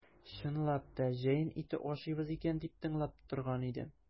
Чынлап та җәен ите ашыйбыз икән дип тыңлап торган идем.